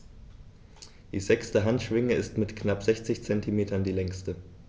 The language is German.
Die sechste Handschwinge ist mit knapp 60 cm die längste.